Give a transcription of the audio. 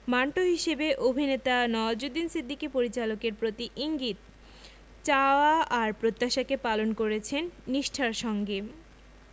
মান্টো হিসেবে অভিনেতা নওয়াজুদ্দিন সিদ্দিকী পরিচালকের প্রতি ইঙ্গিত চাওয়া আর প্রত্যাশাকে পালন করেছেন নিষ্ঠার সঙ্গে